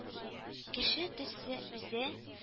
Кеше төсе үзе